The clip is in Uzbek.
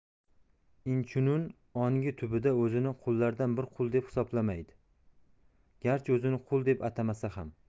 inchunun ongi tubida o'zini qullardan bir qul deb hisoblaydi garchi o'zini qul deb atamasa ham